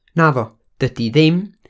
Naddo. Dydy hi ddim.